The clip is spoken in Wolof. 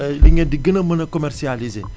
yi ngeen di gën a mën a commercialisé